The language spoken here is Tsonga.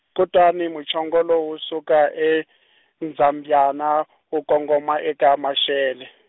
Kutani muchongolo wu suka eNdzambyana wu kongoma eka Maxele.